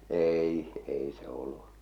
ei ei se ollut